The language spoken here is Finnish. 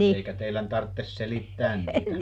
eikä teidän tarvitse selittää niitä